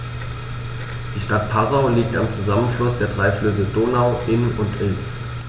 Die Stadt Passau liegt am Zusammenfluss der drei Flüsse Donau, Inn und Ilz.